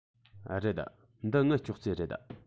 རེད འདི ངའི ཅོག ཙེ རེད